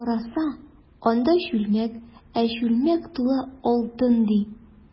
Караса, анда— чүлмәк, ә чүлмәк тулы алтын, ди.